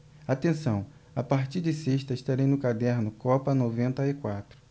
atenção a partir de sexta estarei no caderno copa noventa e quatro